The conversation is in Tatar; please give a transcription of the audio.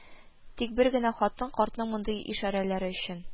Тик бер генә хатын картның мондый ишарәләре өчен: